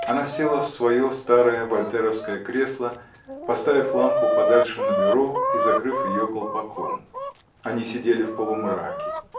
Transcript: Она села в свое старое вольтеровское кресло, поставив лампу подальше на бюро и закрыв ее колпаком. Они сидели в полумраке.